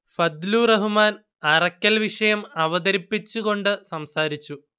ഫദ്ലു റഹ്മാൻ അറക്കൽ വിഷയം അവതരിപ്പിച്ച് കൊണ്ട് സംസാരിച്ചു